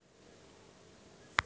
запусти тестер хит